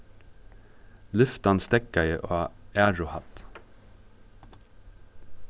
lyftan steðgaði á aðru hædd